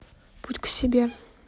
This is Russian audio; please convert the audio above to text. путь к себе